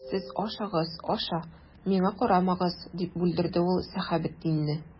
Сез ашагыз, аша, миңа карамагыз,— дип бүлдерде ул Сәхәбетдинне.